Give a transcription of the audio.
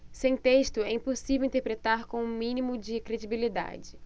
sem texto é impossível interpretar com o mínimo de credibilidade